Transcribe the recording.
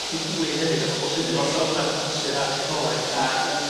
at ei gilydd hefyd a pobol sy efo natur a technoleg a... Yn hollol.